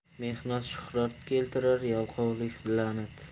mehnat shuhrat keltirar yalqovlik la'nat